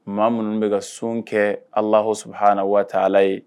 Maa minnu bɛ ka sun kɛ Alahu subahana wataala ye